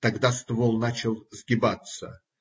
Тогда ствол начал сгибаться.